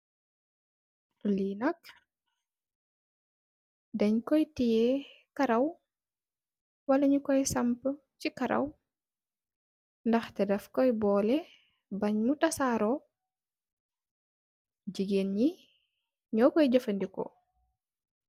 Li nak deng koi teyeh karaw wala nyu koi sampa si karaw ndahteh daf koi poleh bang mu tasaru jigeen ni nyu koi jefendeko.